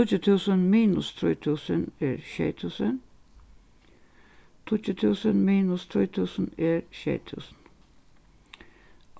tíggju túsund minus trý túsund er sjey túsund tíggju túsund minus tvey túsund er sjey túsund